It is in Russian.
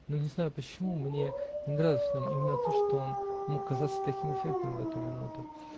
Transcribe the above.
но, не знаю почему, мне не нравилось в нем именно то, что он мог казаться таким эффектным в эту минуту.